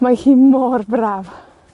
mae hi mor braf.